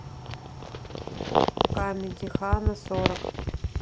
камеди хана сорок